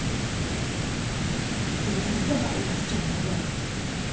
ну ты не разговариваешь чем google